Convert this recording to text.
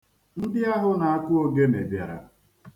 Ndị ahụ na-akụ ogene bịara.